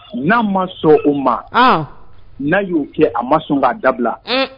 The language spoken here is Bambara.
N'an ma sɔn u ma n'a y'o kɛ a ma sɔn k'a dabila